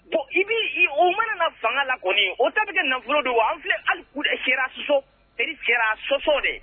Bon i' o mana fanga lak o ta bɛ kɛ nan nafolo don an filɛ ali sososɔ cɛ sososɔ de